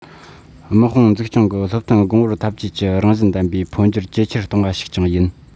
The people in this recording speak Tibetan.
དམག དཔུང འཛུགས སྐྱོང གི སློབ སྟོན དགོངས པར འཐབ ཇུས ཀྱི རང བཞིན ལྡན པའི འཕོ འགྱུར ཇེ ཆེར བཏང བ ཞིག ཀྱང ཡིན